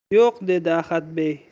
yo'q dedi ahadbey